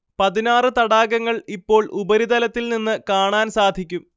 പതിനാറ് തടാകങ്ങൾ ഇപ്പോൾ ഉപരിതലത്തിൽ നിന്ന് കാണാൻ സാധിക്കും